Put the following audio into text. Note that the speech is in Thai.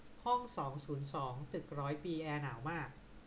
ห้องสองศูนย์สองตึกร้อยปีแอร์หนาวมาก